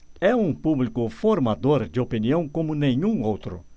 é um público formador de opinião como nenhum outro